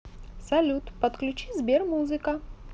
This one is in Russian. салют подключи сбер музыка